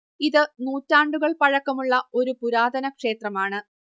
ഇതു നൂറ്റാണ്ടുകൾ പഴക്കമു ള്ള ഒരു പുരാതന ക്ഷേത്രമാണ്